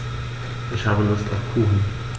Ich habe Lust auf Kuchen.